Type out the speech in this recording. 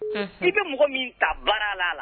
Un! I bɛ mɔgɔ min ta baara la d'a la.